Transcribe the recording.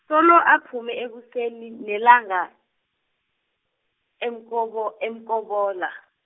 solo aphume ekuseni nelanga, eMkobo- eMkobola.